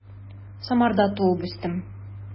Самарда туып үстем.